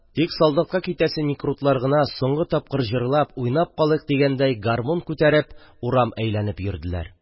Тик солдатка китәсе никрутлар гына, соңгы тапкыр җырлап, уйнап калыйк дигәндәй, гармун күтәреп урам әйләнеп йөрделәр.